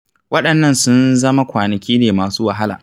Waɗannan sun zama kwanaki ne masu wahala.